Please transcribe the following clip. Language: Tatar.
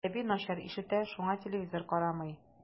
Әби начар ишетә, шуңа телевизор карамый.